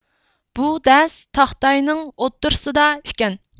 بۇ دەز تاختاينىڭ ئوتتۇرىسىدا ئىكەن